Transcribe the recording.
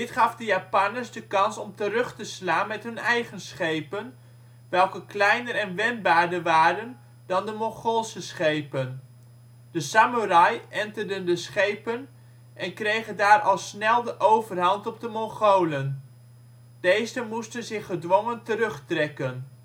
gaf de Japanners de kans om terug te slaan met hun eigen schepen, welke kleiner en wendbaarder waren dan de Mongoolse schepen. De samoerai enterden de schepen en kregen daar al snel de overhand op de Mongolen. Deze moesten zich gedwongen terugtrekken